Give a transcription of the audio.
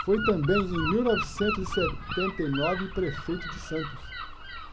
foi também em mil novecentos e setenta e nove prefeito de santos